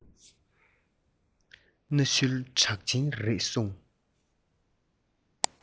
གནའ ཤུལ གྲགས ཅན རེད གསུངས